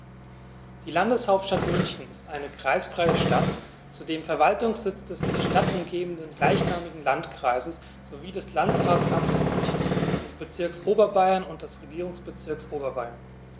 Die Landeshauptstadt München ist eine kreisfreie Stadt, zudem Verwaltungssitz des die Stadt umgebenden gleichnamigen Landkreises sowie des Landratsamtes München, des Bezirks Oberbayern und des Regierungsbezirks Oberbayern.